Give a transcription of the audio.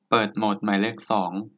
เปิดโหมดหมายเลขสอง